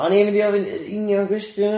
O'n i'n mynd i ofyn y union gwestiwn yna.